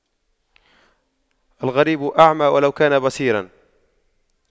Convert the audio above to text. الغريب أعمى ولو كان بصيراً